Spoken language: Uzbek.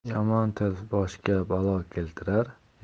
yomon til boshga balo keltirar